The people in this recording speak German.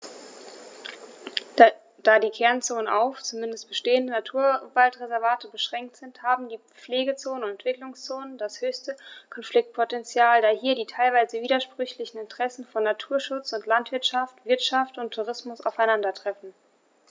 Da die Kernzonen auf – zumeist bestehende – Naturwaldreservate beschränkt sind, haben die Pflegezonen und Entwicklungszonen das höchste Konfliktpotential, da hier die teilweise widersprüchlichen Interessen von Naturschutz und Landwirtschaft, Wirtschaft und Tourismus aufeinandertreffen.